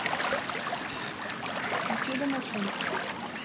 и чудо машинки